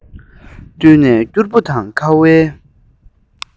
བསྟུན ནས སྐྱུར པོ དང ཁ བའི